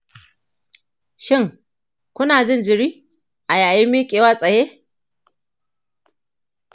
shin ku na jin jiri a yayin miƙewa tsaye